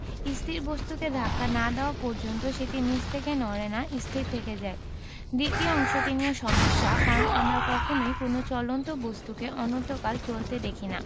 স্থির বস্তুকে ধাক্কা না দেওয়া পর্যন্ত সেটা নিজে থেকে নড়ে না স্থির থেকে যায় দ্বিতীয় অংশটি নিয়ে সমস্যা কারণ আমরা কখনোই কোনো চলন্ত বস্তুকে অনন্তকাল চলতে দেখি না